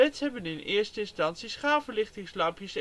hebben in eerste instantie schaalverlichtingslampjes